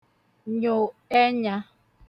nyo ẹnyā